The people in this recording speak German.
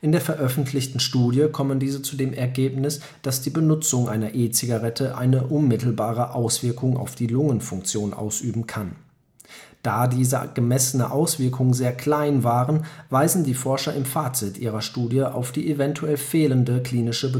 der veröffentlichten Studie kommen diese zu dem Ergebnis, dass die Benutzung einer E-Zigarette eine unmittelbare Auswirkung auf die Lungenfunktion ausüben kann. Da diese gemessenen Auswirkungen sehr klein waren, weisen die Forscher im Fazit ihrer Studie auf die eventuell fehlende klinische